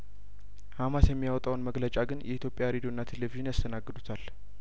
ሀማስ የሚያወጣውን መግለጫ ግን የኢትዮጵያ ሬዴዮና ቴሌቪዥን ያስተናግዱታል